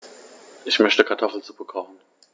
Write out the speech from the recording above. Ich möchte Kartoffelsuppe kochen.